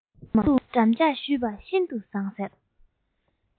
སྙིང སྡུག མ འགྲམ ལྕག གཞུས པ ཤིན དུ བཟང ཟེར